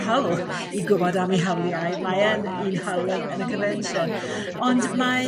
hawl i gw'bod am eu hawliau mae e'n un hawl yn y confensiwn on mae